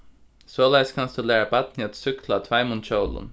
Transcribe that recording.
soleiðis kanst tú læra barnið at súkkla á tveimum hjólum